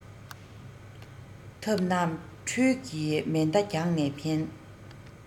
ཐབས རྣམས འཕྲུལ གྱི མེ མདའ རྒྱང ནས འཕེན